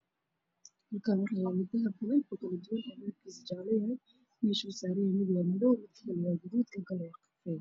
Meshaan waxaa yaalo dahab wey oo midab kiisu jaale yahay meesha uu saran yahay waa madow